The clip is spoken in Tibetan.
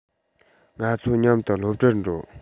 ང ཚོ མཉམ དུ སློབ གྲྭར འགྲོ